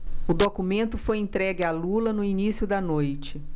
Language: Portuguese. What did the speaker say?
o documento foi entregue a lula no início da noite